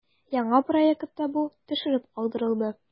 Яңа проектта бу төшереп калдырылды.